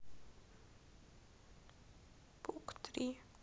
пук три